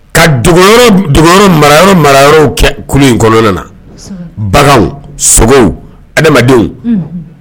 Ka dogoyɔrɔw dogoyɔrɔw marayɔrɔ marayɔrɔw kɛ cour in kɔnɔna la. Kosɛbɛ! Baganw, sogow, adamadenw; Unhun